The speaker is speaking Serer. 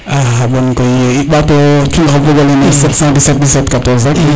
a bon koy i mbato cungo fogolene no 7171714 rek